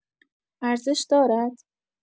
ارزش دارد؟